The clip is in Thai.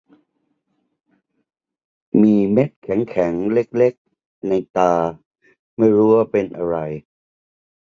มีเม็ดแข็งแข็งเล็กเล็กในตาไม่รู้ว่าเป็นอะไร